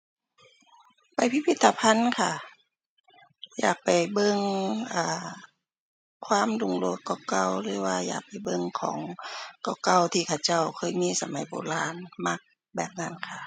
ไปพิพิธภัณฑ์ค่ะ อยากไปเบิ่ง อ่า ความรุ่งโรจน์เก่าเก่าหรือว่าอยากไปเบิ่งของ เก่าเก่า ที่เขาเจ้าเคยมีสมัยโบราณ มักแบบนั้นค่ะ